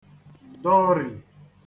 dọrì